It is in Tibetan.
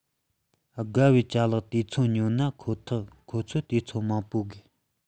དགའ བའི ཅ ལག དེ ཚོ ཉོས ན ཁོ ཐག ཁོ ཚོས དུས ཚོད མང པོ ཡོད